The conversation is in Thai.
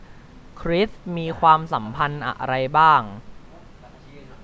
คริสมีความสัมพันธ์อะไรบ้าง